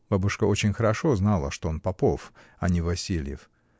(Бабушка очень хорошо знала, что он Попов, а не Васильев.